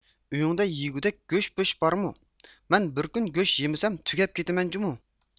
ئۆيۈڭدە يېگۈدەك گۆش پۆش بارمۇ مەن بىر كۈن گۆش يېمىسەم تۈگەپ كېتىمەن جۇمۇ